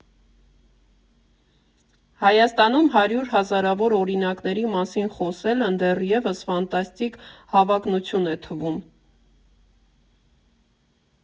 Հայաստանում հարյուր հազարավոր օրինակների մասին խոսելն դեռևս ֆանտաստիկ հավակնություն է թվում։